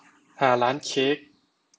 หาร้านเค้ก